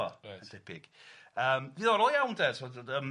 Mae'n debyg. Yym ddiddorol iawn de ti'bod yym.